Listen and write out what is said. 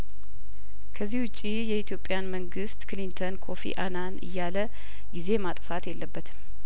ከዚህ ውጪ የኢትዮጵያን መንግስት ክሊንተን ኮፊ አናን እያለጊዜ ማጥፋት የለበትም